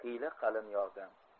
xiyla qalin yog'di